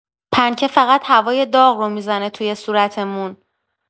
پنکه فقط هوای داغ رو می‌زنه توی صورتمون.